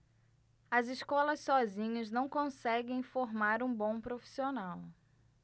as escolas sozinhas não conseguem formar um bom profissional